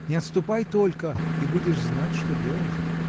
Не отступай только — и будешь знать, что делать.